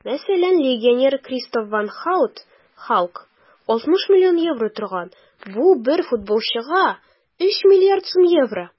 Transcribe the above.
Мәсәлән, легионер Кристоф ван Һаут (Халк) 60 млн евро торган - бу бер футболчыга 3 млрд сум евро!